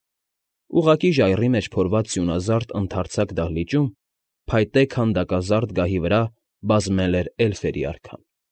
Ուղղակի ժայռի մեջ փորված սյունազարդ ընդարձակ դահլիճում, փայտե քանդակազարդ գահի վրա բազմել էր էլֆերի արքան։